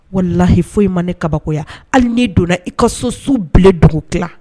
Walayi foyi ma ne kabakoya hali n'i donna i ka so su bila dugu tila